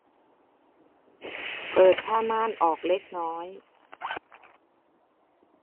เปิดผ้าม่านออกเล็กน้อย